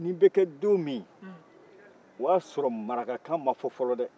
nin bɛ kɛ don min o y'a sɔrɔ marakakan ma fɔ fɔlɔ de